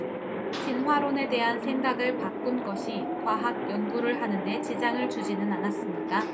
진화론에 대한 생각을 바꾼 것이 과학 연구를 하는 데 지장을 주지는 않았습니까